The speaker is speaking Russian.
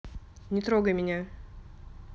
не трогай меня